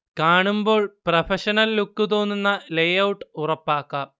കാണുമ്പോൾ professional look തോന്നുന്ന layout ഉറപ്പാക്കാം